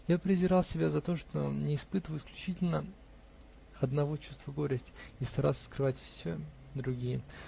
Я презирал себя за то, что не испытываю исключительно одного чувства горести, и старался скрывать все другие